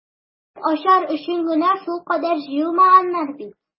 Күңел ачар өчен генә шулкадәр җыелмаганнар бит.